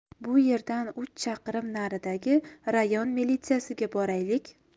bu yerdan uch chaqirim naridagi rayon militsiyasiga boraylik